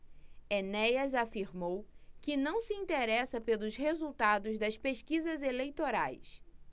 enéas afirmou que não se interessa pelos resultados das pesquisas eleitorais